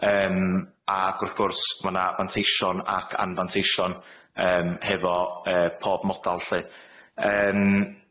Yym, ag wrth gwrs ma' 'na fanteision ac anfanteision yym hefo yr pob modal lly, yym.